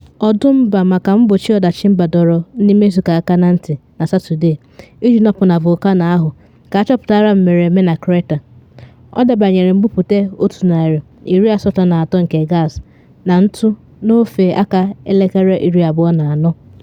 Ọdụ Mba maka Mgbochi Ọdachi Mba dọrọ ndị Mexico aka na ntị na Satọde iji nọpụ na volkano ahụ ka achọpụtara mmereme na kreta, ọ debanyere mbupute 183 nke gas na ntụ n’ofe aka elekere 24.